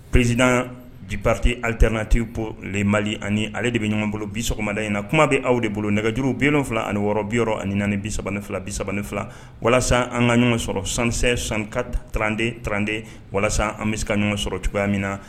Prerizd biprti aliter nnatip mali ani ale de bɛ ɲɔgɔn bolo bi sɔgɔmada in na kuma bɛ aw de bolo nɛgɛjuru binenfila ani wɔɔrɔ bi ani naani bi3 fila bisaban fila walasa an ka ɲɔgɔn sɔrɔ san sanka trante trante walasa an bɛ ka ɲɔgɔn sɔrɔ cogoya min na